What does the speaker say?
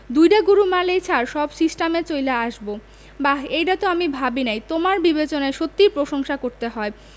দুইডা গরু মারলেই ছার সব সিস্টামে চইলা আসবো বাহ এইটা তো আমি ভাবিনাই তোমার বিবেচনার সত্যিই প্রশংসা করতে হয়